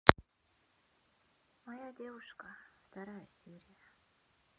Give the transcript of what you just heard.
моя девушка вторая серия